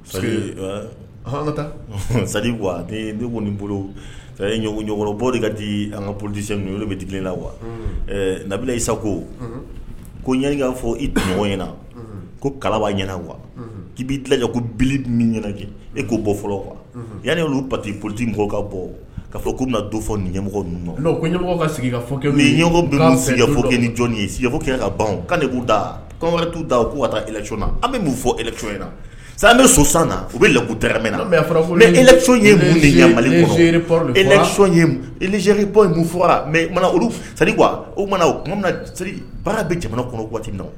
Parce que sa ne ko bolobɔ de ka di an ka polisi ninnu bɛ di la wa nabila isa ko ko ɲani fɔ imɔgɔ ɲɛna ko kalaba ɲɛna k'i'i tila ko bi ni ɲji e ko bɔ fɔlɔ yanani olu pati politi mɔgɔw ka bɔ ka fɔ' bɛna don fɔ ni ɲɛmɔgɔ ninnu mafɔ kɛ ni jɔn yefɔ kɛ ka ban kan da kan t'u da u'u ka taaconna an bɛ fɔ sisan an bɛ so san na u bɛ lagugutɛra na ye bɔ fɔ olu sa o mana o na baara bɛ jamana kɔnɔ waati min na